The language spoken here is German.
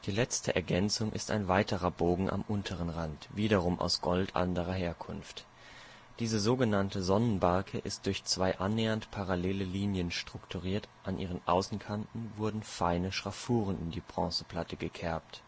letzte Ergänzung ist ein weiterer Bogen am unteren Rand, wiederum aus Gold anderer Herkunft. Diese so genannte Sonnenbarke ist durch zwei annähernd parallele Linien strukturiert, an ihren Außenkanten wurden feine Schraffuren in die Bronzeplatte gekerbt